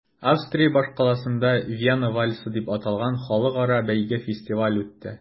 Австрия башкаласында “Вена вальсы” дип аталган халыкара бәйге-фестиваль үтте.